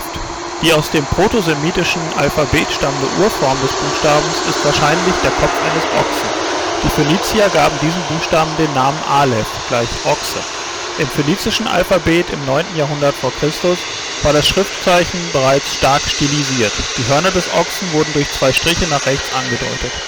Die aus dem proto-semitischen Alphabet stammende Urform des Buchstaben ist wahrscheinlich der Kopf eines Ochsen. Die Phönizier gaben diesem Buchstaben den Namen Aleph (Ochse). Im phönizischen Alphabet im 9. Jahrhundert v. Chr. war das Schriftzeichen bereits stark stilisiert, die Hörner des Ochsen wurden durch zwei Striche nach rechts angedeutet